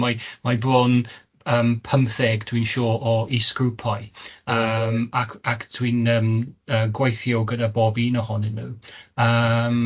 Mae mae bron yym pymtheg dwi'n siŵr o is-grwpau yym ac ac dwi'n yym yy gweithio gyda bob un ohonyn nhw yym,